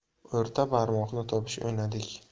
o'rta barmoqni topish o'ynadik